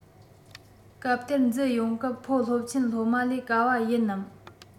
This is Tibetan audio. སྐབས དེར འཛུལ ཡོང སྐབས ཕོ སློབ ཆེན སློབ མ ལས དཀའ བ ཡིན ནམ